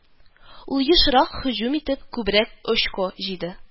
Ул ешрак һөҗүм итеп, күбрәк очко җыйды